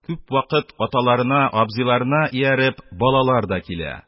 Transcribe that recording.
Күп вакыт аталарына, абзыйларына ияреп, балалар да килә.